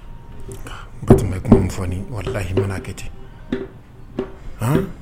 N fatɔɔma ye kuma min fɔ walahi n bɛna a kɛ ten